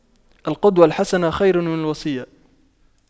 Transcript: القدوة الحسنة خير من الوصية